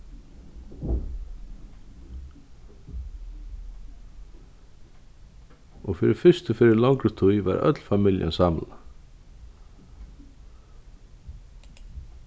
og fyri fyrstu ferð í longri tíð var øll familjan samlað